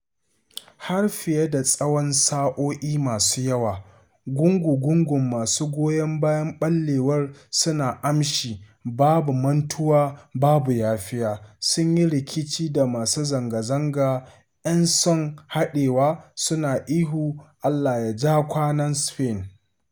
Har fiye da tsawon sa’o’i masu yawa gungu-gungun masu goyon bayan ɓallewar suna amshi “Babu mantuwa, babu yafiya” sun yi rikici da masu zanga-zanga ‘yan son haɗewa suna ihu, Allah ya ja kwanan Spain.”